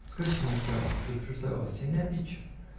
Скажите мне прямо; предупреждаю вас, я не обидчив.